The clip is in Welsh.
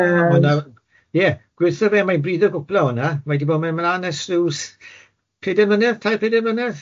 Ma' 'na ie gweth 'tha fe mae'n bryd 'ddo fe gwpla o honna, mae 'di bod mynd mlan ers ryw s- pedair mlynedd? Tair, pedair mlynedd?